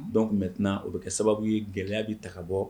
Dɔnku tun bɛ tɛna o bɛ kɛ sababu ye gɛlɛya bɛ ta bɔ